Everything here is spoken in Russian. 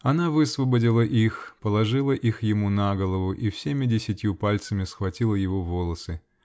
Она высвободила их, положила их ему на голову и всеми десятью пальцами схватила его за волосы.